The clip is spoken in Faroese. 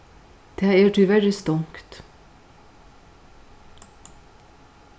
tað er tíverri stongt